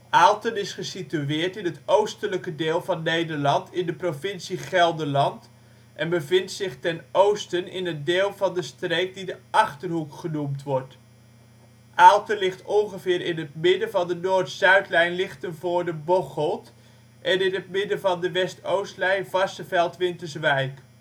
Aalten is gesitueerd in het oostelijke deel van Nederland in de provincie Gelderland en bevindt zich ten oosten in het deel van de streek die de Achterhoek genoemd wordt. Aalten ligt ongeveer in het midden van de noord-zuidlijn Lichtenvoorde - Bocholt (D) en in het midden van de west-oostlijn Varsseveld - Winterswijk